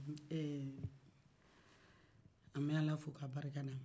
eee an b'ala fo k'a barida